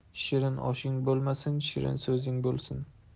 shirin oshing bo'lmasin shirin so'zing bo'lsin